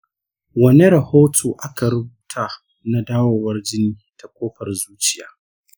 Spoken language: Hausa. wane rahoto aka rubuta na dawowar jini ta kofar zuciya?